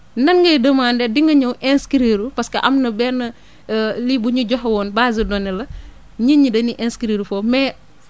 nan ngay demander di nga ñëw inscrire parce que am na benn lii bu ñu joxe woon base de données la nit ñi dañuy inscrir foofu mais